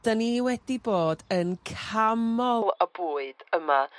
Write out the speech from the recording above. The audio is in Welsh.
'Dyn ni wedi bod yn camol y bwyd yma